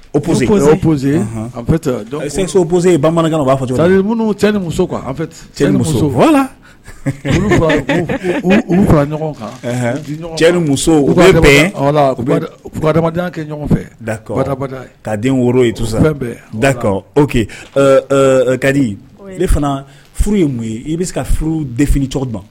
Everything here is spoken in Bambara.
O quese bose bamanan u b'a fɔ cɛ ni kan cɛ kɛ fɛ da ka den woro ye tu dakɔ kadi ne fana furu ye mun ye i bɛ se ka furu de fini cogo duman